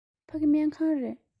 ཕ གི སྨན ཁང རེད